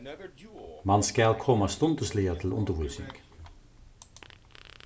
mann skal koma stundisliga til undirvísing